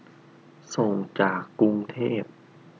ส่งจากกรุงเทพ